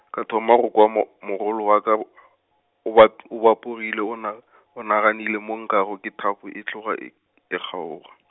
ka thoma go kwa mo-, mogolo wa ka o , o bap-, o bapogile o nag-, o ngangegile mo nkwago ke thapo, e tloga e, e kgaoga.